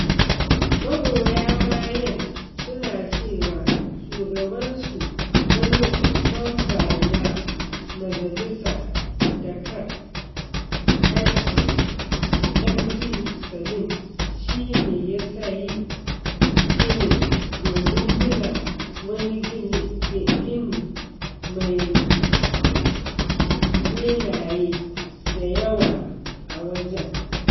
Magoya bayan sun nuna cewa shugabansu, wani mamba na majalisa (Dhaka-7) Haji Md. Salim, shi ne ya sayi ginin domin gina wani gine mai benaye da yawa a wajen.